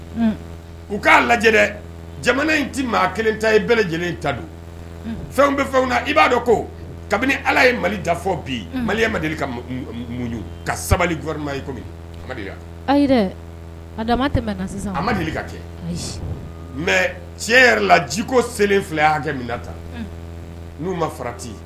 U k'a lajɛ jamana in tɛ maa kelen ta i bɛɛ lajɛlen ta don fɛn bɛ fɛn na i b'a dɔn ko kabini ala ye mali da bi mali ma deli ka mu ka sabali kɔmi a dama sisan a ma deli ka kɛ mɛ tiɲɛ yɛrɛ la jiko selen filɛ' hakɛ kɛ min na ta n'u ma farati